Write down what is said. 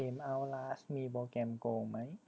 เกมเอ้าลาสมีโปรแกรมโกงไหม